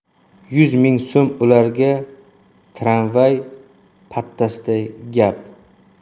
yuz ming so'm ularga tramvay pattasiday gap